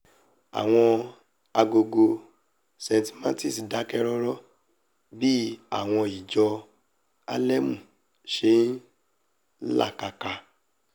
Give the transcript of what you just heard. Àwọn Agogo St. Martin dákẹ́rọrọ bí Àwọn Ijò Harlem ̣ṣe n ̀làkàka.